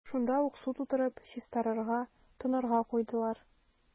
Шунда ук су тутырып, чистарырга – тонарга куйдылар.